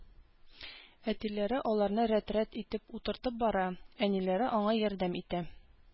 Әтиләре аларны рәт-рәт итеп утыртып бара, әниләре аңа ярдәм итә